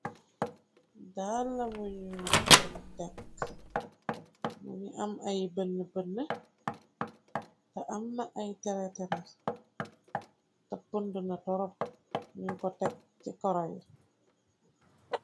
Daala munu bun tekk, munu am ay bënn bën, te am ma ay teretere tappnduna torop, nun ko tekk ci koroy.